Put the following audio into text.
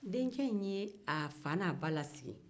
denkɛ n'ye a fa n'a ba lasigi